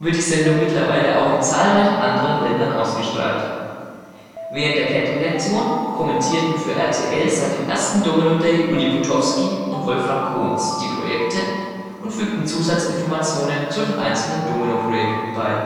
die Sendung mittlerweile auch in zahlreichen anderen Ländern ausgestrahlt. Während der Kettenreaktion kommentierten für RTL seit dem ersten Domino Day Ulli Potofski und Wolfram Kons die Projekte und fügten Zusatzinformationen zu den einzelnen Domino-Projekten bei